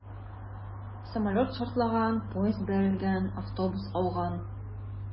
Самолет шартлаган, поезд бәрелгән, автобус ауган...